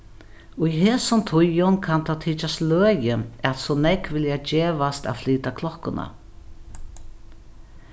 í hesum tíðum kann tað tykjast løgið at so nógv vilja gevast at flyta klokkuna